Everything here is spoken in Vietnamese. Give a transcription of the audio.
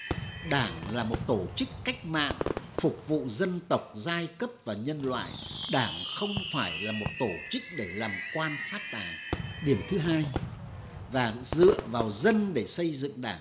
đảng là một tổ chức cách mạng phục vụ dân tộc giai cấp và nhân loại đảng không phải là một tổ chức để làm quan phát tài điểm thứ hai và dựa vào dân để xây dựng đảng